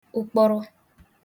ụkpọrọ